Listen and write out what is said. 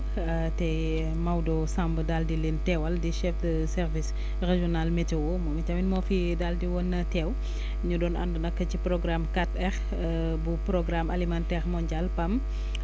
te Maodo Samb daal di leen teewal di chef de service régional météo moom itamit moo fiy daal di woon teew ñu doon ànd nag ci programme 4R bu programme alimentaire mondial PAM